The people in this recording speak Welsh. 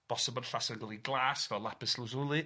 Bosib bod Llasa'n dod i glas fel lapis lazuli,